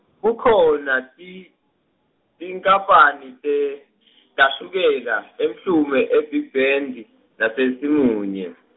kukhona, ti- tinkapane te, tashukela, eMhlume, e- Big Bend, naseSimunye.